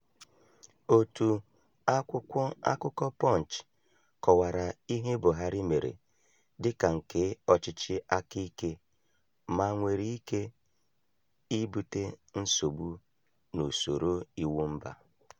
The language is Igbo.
Otu akwụkwọ akụkọ Punch kọwara ihe Buhari mere dị ka nke ọchịchị aka ike ma nwere ike ibute nsogbu n'usoro iwu mba: